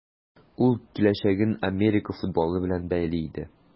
Ул киләчәген Америка футболы белән бәйли иде.